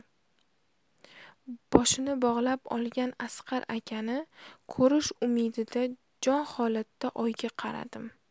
boshini bog'lab olgan asqar akani ko'rish umidida jonholatda oyga qaradim